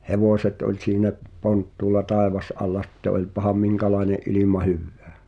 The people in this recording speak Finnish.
hevoset oli siinä ponttuulla taivasalla sitten olipahan minkälainen ilma hyvänsä